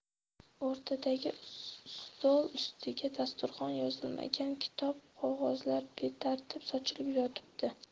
o'rtadagi ustol ustiga dasturxon yozilmagan kitob qog'ozlar betartib sochilib yotibdi